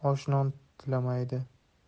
sendan osh non tilamaydi